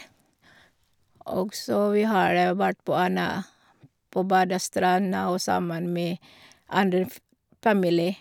Og så vi har vært på en på badestranda og sammen med andre f familie.